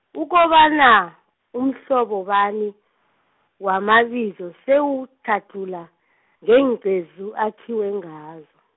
ukobana, amhlobo bani, wamabizo siwatlhadlhula, ngeengcezu akhiwe ngazo.